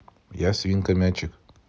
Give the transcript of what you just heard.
я свинка мячик